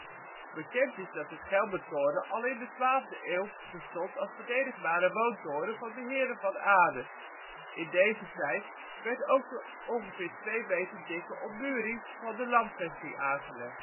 is dat de Schelmentoren al in de 12e eeuw bestond als verdedigbare woontoren van de Heren van Aare. In deze tijd werd ook de ongeveer 2 meter dikke ommuring van de landvesting aangelegd